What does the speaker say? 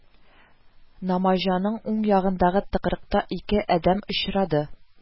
Намаҗанның уң ягындагы тыкрыкта ике адәм очрады